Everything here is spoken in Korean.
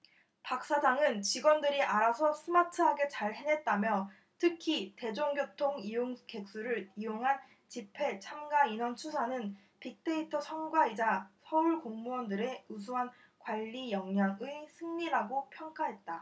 박 시장은 직원들이 알아서 스마트하게 잘 해냈다며 특히 대중교통 이용객 수를 이용한 집회 참가 인원 추산은 빅데이터 성과이자 서울 공무원들의 우수한 관리역량의 승리라고 평가했다